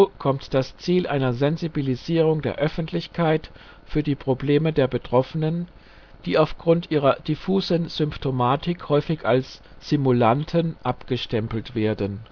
kommt das Ziel einer Sensibilisierung der Öffentlichkeit für die Probleme der Betroffenen, die aufgrund ihrer diffusen Symptomatik häufig als " Simulanten " abgestempelt werden